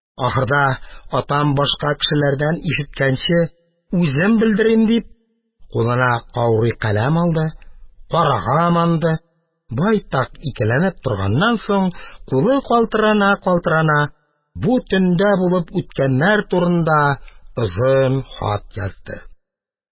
Ахырда, атам башка кешеләрдән ишеткәнче, үзем белдерим, дип, кулына каурый каләм алды, карага манды, байтак икеләнеп торганнан соң, кулы калтырана-калтырана, бу төндә булып үткәннәр турында озын хат язды.